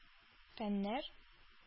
Фәннәр